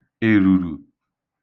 èrùrù